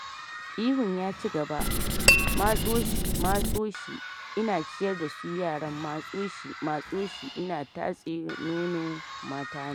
Ihun ya cigaba: "Matso shi, Matso shi, ina ciyar da su yaran, Matso shi, Matso shi, ina tatse nono matana."